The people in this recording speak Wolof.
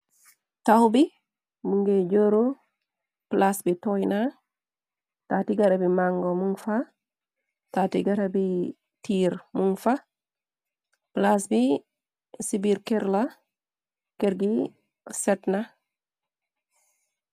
Tawbi munge jëru plas bi toina tati garabi manga munfa tati garabi tiir munfa plaz bi sibirkirla kirgi setna.